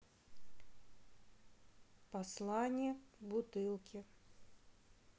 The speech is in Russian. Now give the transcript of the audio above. послание в бутылке